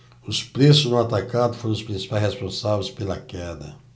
os preços no atacado foram os principais responsáveis pela queda